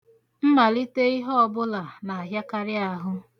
Mmalite ihe ọbụla na-ahịakarị ahụ.